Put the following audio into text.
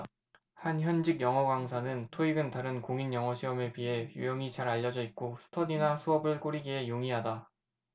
한 현직 영어강사는 토익은 다른 공인영어시험에 비해 유형이 잘 알려져 있고 스터디나 수업을 꾸리기에 용이하다